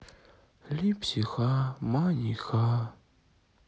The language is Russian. липси ха мани ха